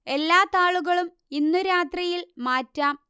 എല്ലാ താളുകളും ഇന്നു രാത്രിയിൽ മാറ്റാം